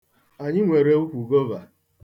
Anyị nwere ukwu gova.